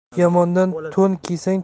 yomondan to'n kiysang